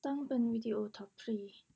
ตั้งเป็นวิดีโอทอปทรี